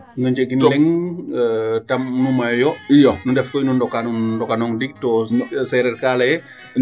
Nu njegin o leŋ to nu mayooyo nu ndef koy no ndokandoong ndiig to o seereer kaa layee.